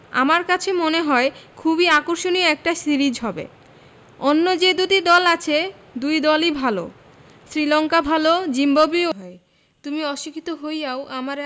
আমার কাছে মনে হয় খুবই আকর্ষণীয় একটা সিরিজ হবে অন্য যে দুটি দল আছে দুই দলই ভালো শ্রীলঙ্কা ভালো জিম্বাবুয়েও তাদের দিনে ভয়ংকর হতে পারে